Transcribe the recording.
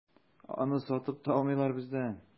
Аны сатып та алмыйлар бездән.